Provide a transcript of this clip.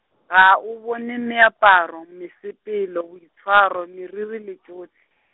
ga o bone meaparo, mesepelo, boitshwaro, meriri le tšohle.